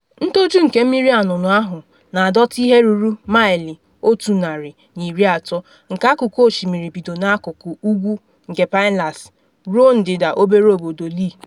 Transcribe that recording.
Ntoju nke Mmiri Anụnụ ahụ na adọtị ihe ruru maịlụ 130 nke akụkụ osimiri bido n’akụkụ ugwu nke Pinellas ruo ndịda obere obodo Lee.